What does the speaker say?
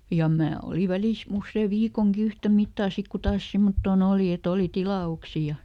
ja minä olin välissä usean viikonkin yhtä mittaa sitten kun taas semmottoon oli että oli tilauksia ja